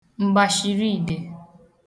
m̀gbàshìridē